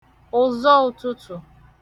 ụ̀zọụ̄tụ̄tụ̀